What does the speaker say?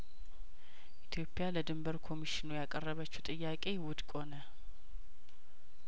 ኢትዮጵያ ለድንበር ኮሚሽኑ ያቀረበችው ጥያቄ ውድቅ ሆነ